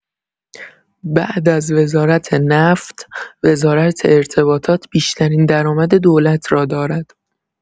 بعد از وزارت نفت، وزارت ارتباطات بیشترین درآمد دولت را دارد.